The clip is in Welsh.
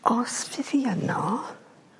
Os fydd hi yno